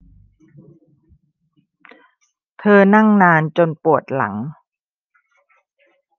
เธอนั่งนานจนปวดหลัง